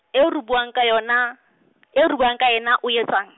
eo re buang ka yona, eo re buang ka yena o etsang?